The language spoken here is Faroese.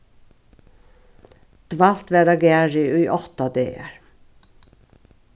dvalt var á garði í átta dagar